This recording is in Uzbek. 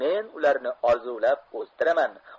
men ularni orzulab o'stiraman